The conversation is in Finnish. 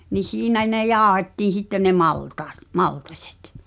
niin siinä ne jauhettiin sitten ne maltaat maltaiset